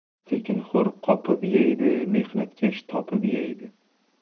tekinxo'r qopib yeydi mehnatkash topib yeydi